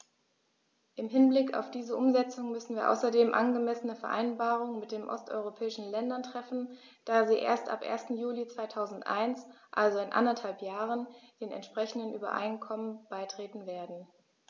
Im Hinblick auf diese Umsetzung müssen wir außerdem angemessene Vereinbarungen mit den osteuropäischen Ländern treffen, da sie erst ab 1. Juli 2001, also in anderthalb Jahren, den entsprechenden Übereinkommen beitreten werden.